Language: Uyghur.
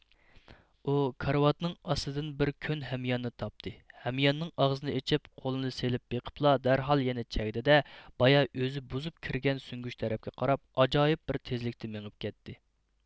ئۇ كارىۋاتنىڭ ئاستىدىن بىر كۆن ھەمياننى تاپتى ھەمياننىڭ ئاغزىنى ئېچىپ قولىنى سېلىپ بېقىپلا دەرھال يەنە چەگدى دە بايا ئۆزى بۇزۇپ كىرگەن سۈڭگۈچ تەرەپكە قاراپ ئاجايىپ بىر تېزلىكتە مېڭىپ كەتتى